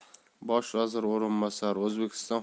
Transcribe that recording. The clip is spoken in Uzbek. bosh vazir o'rinbosari o'zbekiston